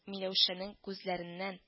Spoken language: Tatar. Миләүшәнең күзләреннән